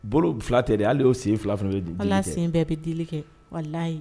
Bolo fila tɛ dɛ hali o sen fila bɛɛ bɛ dili, hal'a fila bɛɛ bɛ deli kɛ walahi